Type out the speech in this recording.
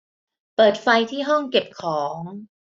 เปิดไฟที่ห้องเก็บของ